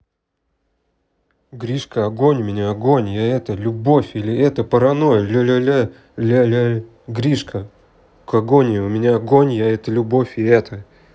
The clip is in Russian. гришка огонь у меня огонь я это любовь или это паранойя ля ля ля ля ля ля гришка когония у меня агонь я это любовь и это